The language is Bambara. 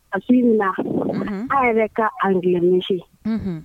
A sini an yɛrɛ ka a dilansi